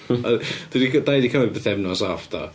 Dwi 'di- da ni 'di cymryd pythefnos off do.